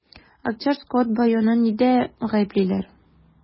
Актер Скотт Байоны нидә гаеплиләр?